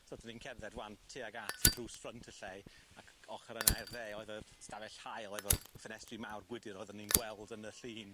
So 'dan ni'n cerdded 'wan tuag at y drws ffrynt y lle ac ochor yna i'r dde oedd yr stafell haul efo'r ffenestri mawr gwydyr odden ni'n gweld yn y llun.